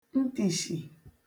ntìshì